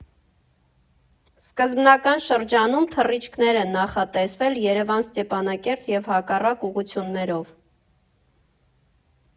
Սկզբնական շրջանում թռիչքներ են նախատեսվել Երևան֊Ստեփանակերտ և հակառակ ուղղություններով։